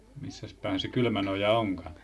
missäs päin se Kylmänoja onkaan